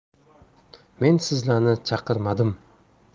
men sizlarni chaqirmadim